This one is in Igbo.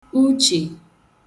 uchè